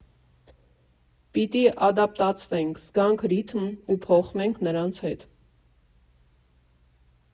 Պիտի ադապտացվենք, զգանք ռիթմն ու փոխվենք նրանց հետ։